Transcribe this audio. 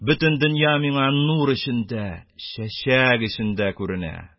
Бөтен дөнья миңа нур эчендә, чәчәк эчендә күренә...